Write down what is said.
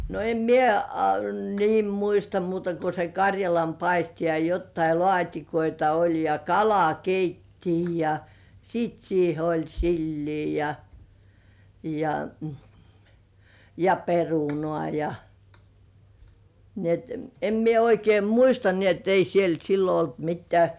no en minä a niin muista muuta kuin se karjalanpaisti ja jotakin laatikoita oli ja kalakeittoa ja sitten siihen oli silliä ja ja ja perunaa ja niin että en minä oikein muista niin että ei siellä silloin ollut mitään